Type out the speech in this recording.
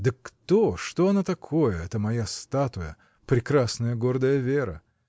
Да кто, что она такое, эта моя статуя, прекрасная, гордая Вера?